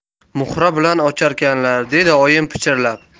muhra bilan ocharkanlar dedi oyim pichirlab